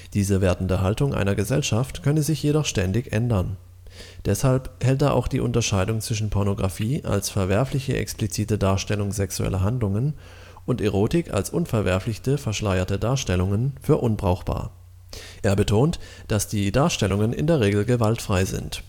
Diese wertende Haltung einer Gesellschaft könne sich jedoch ständig ändern. Deshalb hält er auch die Unterscheidung zwischen Pornografie als verwerfliche „ explizite Darstellungen sexueller Handlungen “und Erotik als unverwerfliche „ verschleierte Darstellungen “für unbrauchbar. Er betont, dass die Darstellungen in der Regel gewaltfrei sind